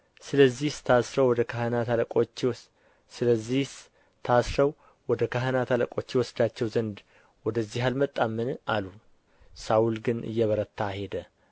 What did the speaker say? ስለዚህስ ታስረው ወደ ካህናት አለቆች ይወስዳቸው ዘንድ ወደዚህ አልመጣምን አሉ ሳውል ግን እየበረታ ሄደ